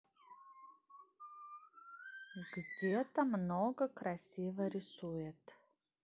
где то много красиво рисует